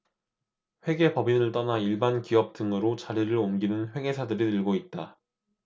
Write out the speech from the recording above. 회계법인을 떠나 일반 기업 등으로 자리를 옮기는 회계사들이 늘고 있다